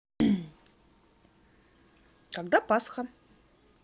когда пасха